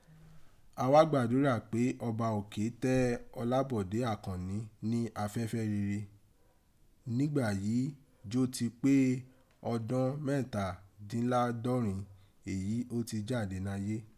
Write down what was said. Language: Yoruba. A wa gbadura pe Ọba oke tẹ Olabode Akanni ni afẹfẹ rere nibayii jo ti pe ọdọ́n mẹtadinlaadọrin èyí ó ti jade naye.